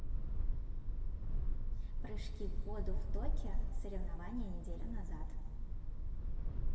прыжки в воду в токио соревнования неделю назад